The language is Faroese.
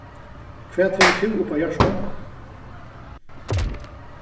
hvat hevur tú upp á hjarta